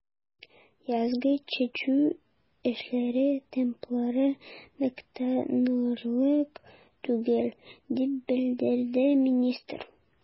Язгы чәчү эшләре темплары мактанырлык түгел, дип белдерде министр.